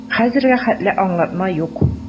Хәзергә хәтле аңлатма юк.